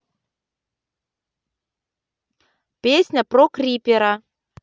песня про крипера